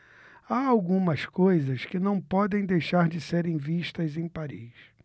há algumas coisas que não podem deixar de serem vistas em paris